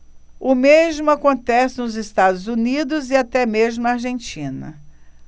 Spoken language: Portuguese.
o mesmo acontece nos estados unidos e até mesmo na argentina